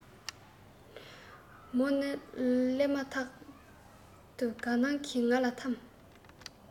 མོ ནི སླེབ མ ཐག ཏུ དགའ སྣང གི ང ལ ཐམས